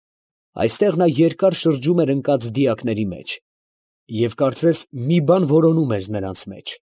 Այստեղ նա երկար շրջում էր ընկած դիակների մեջ, և կարծես մի բան որոնում էր նրանց մեջ։